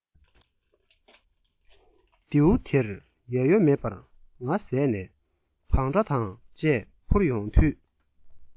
རྡེའུ དེར ཡ ཡོ མེད པར ང གཟས ནས བང སྒྲ དང བཅས འཕུར ཡོང དུས